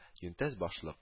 Йөнтәс башлык